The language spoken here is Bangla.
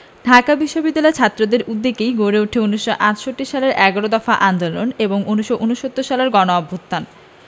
ঢাকা বিশ্ববিদ্যালয়ের ছাত্রদের উদ্যোগেই গড়ে উঠে ১৯৬৮ সালের এগারো দফা আন্দোলন এবং ১৯৬৯ সালের গণঅভ্যুত্থান